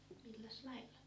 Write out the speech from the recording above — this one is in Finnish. milläs lailla